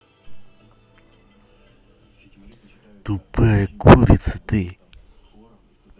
тупая курица ты